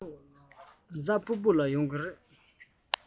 རེས གཟའ ཕུར བུ ལ ཡོང གི རེད